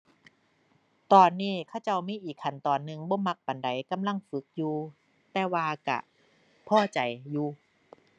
ตอนนี้เขาเจ้ามีอีกขั้นตอนหนึ่ง บ่มักปานใด กำลังฝึกอยู่ แต่ว่าก็พอใจอยู่